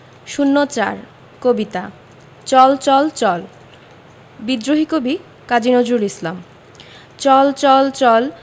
০৪ কবিতা চল চল চল বিদ্রোহী কবি কাজী নজরুল ইসলাম চল চল চল